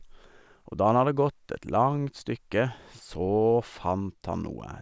Og da han hadde gått et langt stykke, så fant han noe.